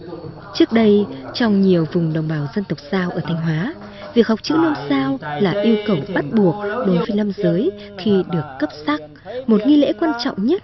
trước đây trong nhiều vùng đồng bào dân tộc dao ở thanh hóa việc học chữ nôm dao là yêu cầu bắt buộc đối với nam giới khi được cấp sắc một nghi lễ quan trọng nhất